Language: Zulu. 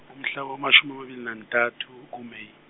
umhla wamashumi amabili nantathu ku- May.